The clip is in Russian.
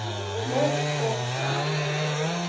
ворлд оф танк